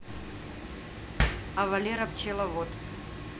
а валера пчеловод